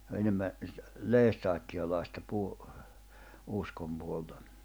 se on enemmän lestadiolaista - uskon puolta